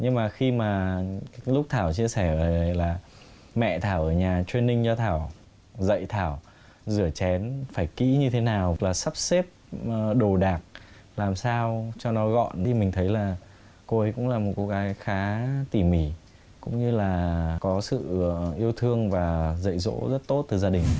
nhưng mà khi mà lúc thảo chia sẻ về là mẹ thảo ở nhà trên ninh cho thảo dạy thảo rửa chén phải kỹ như thế nào và sắp xếp đồ đạc làm sao cho nó gọn đi mình thấy là cô ấy cũng là một cô gái khá tỷ mỉ cũng như là có sự ờ yêu thương và dạy dỗ rất tốt từ gia đình